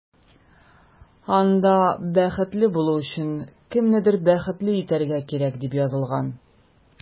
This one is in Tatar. Анда “Бәхетле булу өчен кемнедер бәхетле итәргә кирәк”, дип язылган.